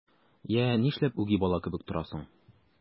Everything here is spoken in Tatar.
Йә, нишләп үги бала кебек торасың?